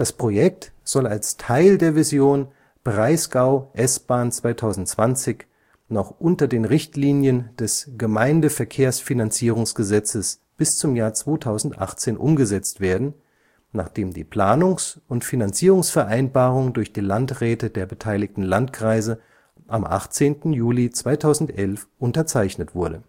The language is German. Projekt soll als Teil der Vision Breisgau-S-Bahn 2020 noch unter den Richtlinien des Gemeindeverkehrsfinanzierungsgesetzes bis zum Jahr 2018 umgesetzt werden, nachdem die Planungs - und Finanzierungsvereinbarung durch die Landräte der beteiligten Landkreise am 18. Juli 2011 unterzeichnet wurde